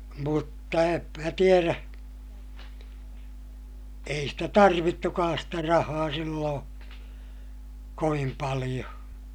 mutta en minä tiedä ei sitä tarvittukaan sitä rahaa silloin kovin paljon